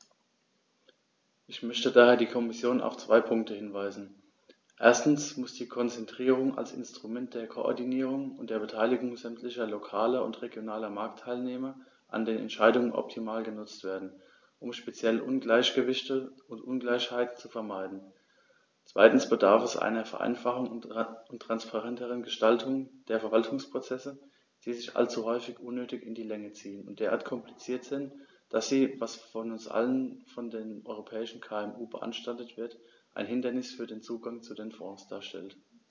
Ich möchte daher die Kommission auf zwei Punkte hinweisen: Erstens muss die Konzertierung als Instrument der Koordinierung und der Beteiligung sämtlicher lokaler und regionaler Marktteilnehmer an den Entscheidungen optimal genutzt werden, um speziell Ungleichgewichte und Ungleichheiten zu vermeiden; zweitens bedarf es einer Vereinfachung und transparenteren Gestaltung der Verwaltungsprozesse, die sich allzu häufig unnötig in die Länge ziehen und derart kompliziert sind, dass sie, was vor allem von den europäischen KMU beanstandet wird, ein Hindernis für den Zugang zu den Fonds darstellen.